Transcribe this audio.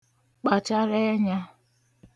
kpàchara ẹnyā